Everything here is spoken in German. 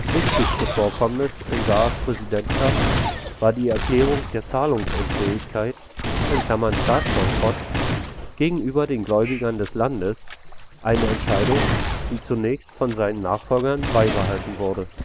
wichtigste Vorkommnis in Saás Präsidentschaft war die Erklärung der Zahlungsunfähigkeit (Staatsbankrott) gegenüber den Gläubigern des Landes; eine Entscheidung, die zunächst von seinen Nachfolgern beibehalten wurde